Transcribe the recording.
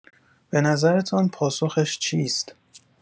به نظرتان پاسخش چیست؟